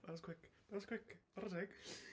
That was quick. That was quick. Chwarae teg.